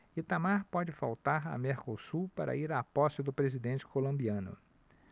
itamar pode faltar a mercosul para ir à posse do presidente colombiano